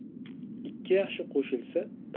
ikki yaxshi qo'shilsa